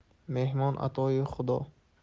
mehmon atoyi xudo